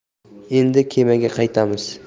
endi kemaga qaytamiz